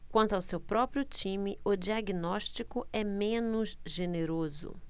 quanto ao seu próprio time o diagnóstico é menos generoso